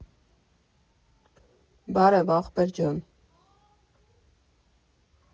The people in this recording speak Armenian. Բարև, ախպեր ջան։